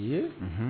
Ye